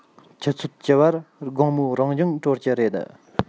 ཆུ ཚོད བཅུ པར དགོང མོའི རང སྦྱོང གྲོལ གྱི རེད